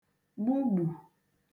gbugbù